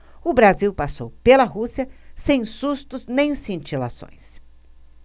o brasil passou pela rússia sem sustos nem cintilações